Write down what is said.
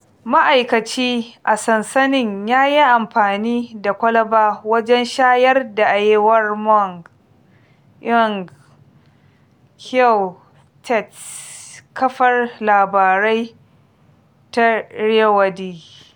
Ma'aikaci a sansanin ya yi amafni da kwalaba wajen shayar da Ayeyar Maung. /Aung Kyaw Htet/ Kafar labarai ta Irrawaddy